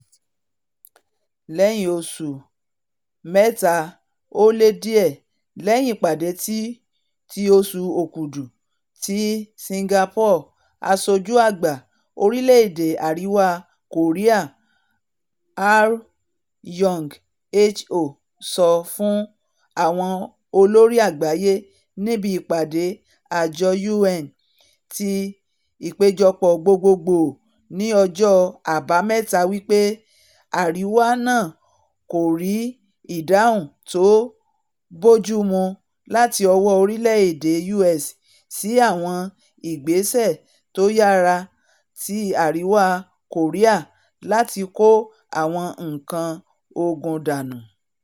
Lẹ́yìn oṣù mẹ́ta o le diẹ lẹ́yìn ìpàdé ti oṣù Òkúdu ni Singapore, aṣojú àgbà orílẹ̀-èdè Àríwa Kòríà Ri Yong Ho sọ fún àwọn olórí àgbáyé níbi ìpàdé àjọ U.N. ti Ìpéjọpọ̀ Gbogbogbòò ni ọjọ́ Àbámẹ́ta wípé Àríwá náà kòrí ''ìdáhùn tó bójúmu'' láti ọwọ́ orílẹ̀-èdè U. S. sí àwọn ìgbésẹ̀ tó yára ti Àríwá Kòríà láti kó àwọn nǹkàn ogun dánù.